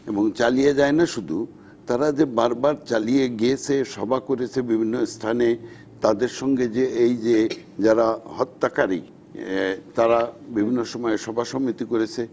এবং চালিয়ে যায় না শুধু তারা যে বারবার চালিয়ে গেছে করেছে বিভিন্ন স্থানে তাদের সঙ্গে যে এই যে যারা হত্যাকারী তারা বিভিন্ন সময়ে সভা-সমিতি করেছে